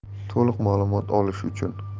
to'liq ma'lumot olish uchun